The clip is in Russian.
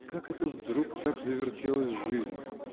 Как это вдруг так завертелась жизнь?